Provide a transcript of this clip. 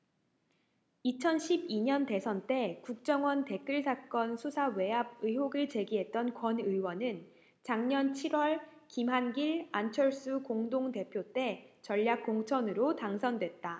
이천 십 이 년 대선 때 국정원 댓글 사건 수사 외압 의혹을 제기했던 권 의원은 작년 칠 월 김한길 안철수 공동대표 때 전략 공천으로 당선됐다